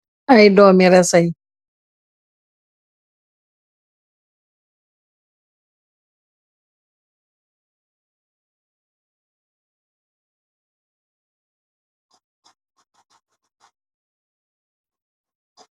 Ay dom mi reseng.